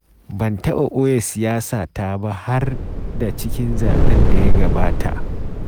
Ban taɓa boye siyasata ba, har da cikin zaɓen da ya gabata.